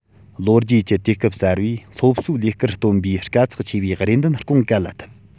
ལོ རྒྱུས ཀྱི དུས སྐབས གསར པས སློབ གསོའི ལས ཀར བཏོན པའི དཀའ ཚེགས ཆེ བའི རེ འདུན སྐོང ག ལ ཐུབ